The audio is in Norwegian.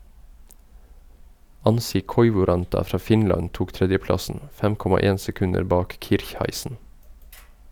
Anssi Koivuranta fra Finland tok tredjeplassen , 5,1 sekunder bak Kircheisen.